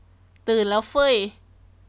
ตื่นแล้วเฟ้ย